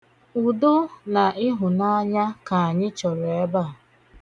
Udo na ịhụnaanya ka anyị chọrọ ebe a.